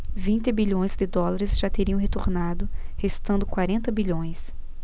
vinte bilhões de dólares já teriam retornado restando quarenta bilhões